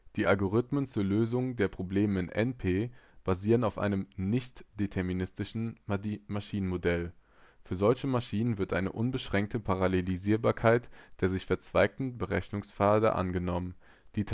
Die Algorithmen zur Lösung der Probleme in NP basieren auf einem nichtdeterministischen Maschinenmodell. Für solche Maschinen wird eine unbeschränkte Parallelisierbarkeit der sich verzweigenden Berechnungspfade angenommen, die